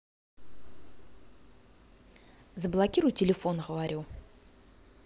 заблокируй телефон говорю